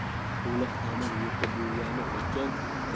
qo'li xamir yuqi bo'lgani uchun